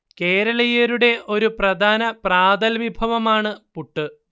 കേരളീയരുടെ ഒരു പ്രധാന പ്രാതൽ വിഭവമാണ് പുട്ട്